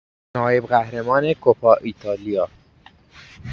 نایب‌قهرمان کوپا ایتالیا